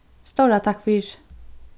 stóra takk fyri